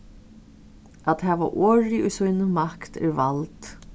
at hava orðið í síni makt er vald